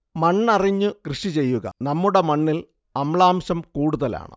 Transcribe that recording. മണ്ണ് അറിഞ്ഞു കൃഷി ചെയ്യുക 'നമ്മുടെ മണ്ണിൽ അമ്ലാംശം കൂടുതലാണ്'